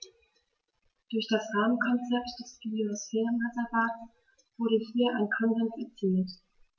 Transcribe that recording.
Durch das Rahmenkonzept des Biosphärenreservates wurde hier ein Konsens erzielt.